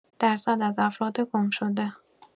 درصد از افراد گم‌شده